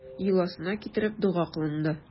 Йоласына китереп, дога кылынды.